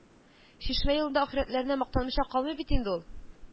Чишмә юлында ахирәтләренә мактанмыйча калмый бит инде ул